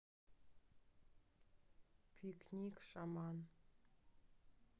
пикник шаман